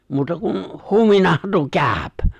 muuta kuin huminahan tuo käy